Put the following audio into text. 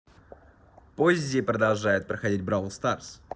поззи продолжает проходить бравл старс